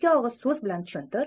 ikki og'iz so'z bilan tushuntir